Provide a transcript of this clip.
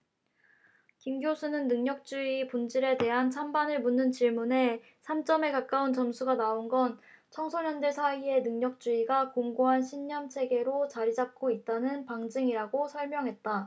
김 교수는 능력주의 본질에 대한 찬반을 묻는 질문에 삼 점에 가까운 점수가 나온 건 청소년들 사이에 능력주의가 공고한 신념체계로 자리잡고 있다는 방증이라고 설명했다